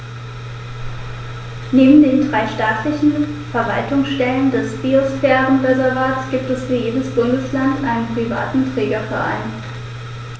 Neben den drei staatlichen Verwaltungsstellen des Biosphärenreservates gibt es für jedes Bundesland einen privaten Trägerverein.